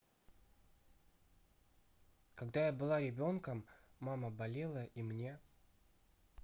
когда я была ребенком мама болела и мне